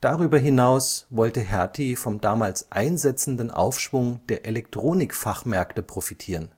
Darüber hinaus wollte Hertie vom damals einsetzenden Aufschwung der Elektronik-Fachmärkte profitieren.